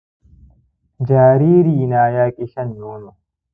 jariri na yaki shan nono